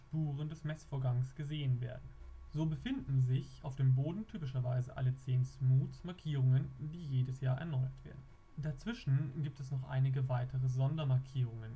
Spuren des Messvorgangs gesehen werden. So befinden sich auf dem Boden typischerweise alle 10 Smoots Makierungen, die jedes Jahr erneuert werden. Dazwischen gibt es noch einige weitere Sondermakierungen